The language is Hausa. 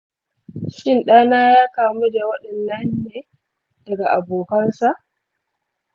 shin ɗana ya kamu da wannan ne daga abokansa?